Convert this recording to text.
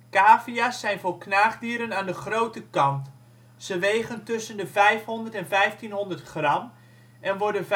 Cavia 's zijn voor knaagdieren aan de grote kant, ze wegen tussen 500 en 1500 gram en worden